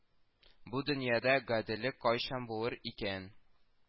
Бу дөньяда гаделлек кайчан булыр икән